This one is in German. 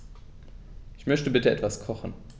Ich möchte bitte etwas kochen.